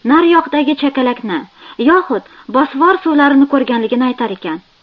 naryoqdagi chakalakni yoxud bosfor suvlarini ko'rganligini aytar ekan